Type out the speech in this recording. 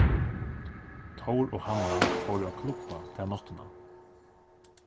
tór og hanna fóru á klubba ta náttina